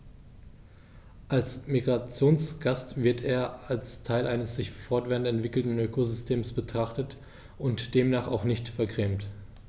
Als Migrationsgast wird er als Teil eines sich fortwährend entwickelnden Ökosystems betrachtet und demnach auch nicht vergrämt.